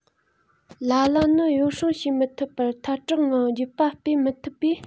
ལ ལ ནི ཡོ བསྲང བྱེད མི ཐུབ པར ཐལ དྲགས ངང རྒྱུད པ སྤེལ མི ཐུབ པས